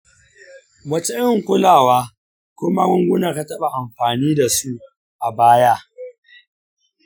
wace irin kulawa ko magunguna ka taɓa amfani da su a baya?